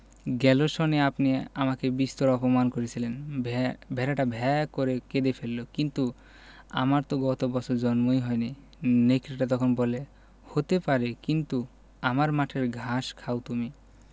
গেল সনে আপনি আমাকে বিস্তর অপমান করেছিলেন ভেড়াটা ভ্যাঁ করে কেঁদে ফেলল কিন্তু আমার তো গত বছর জন্মই হয়নি নেকড়েটা তখন বলে হতে পারে কিন্তু আমার মাঠের ঘাস খাও তুমি